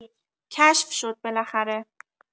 کشف شد بالاخره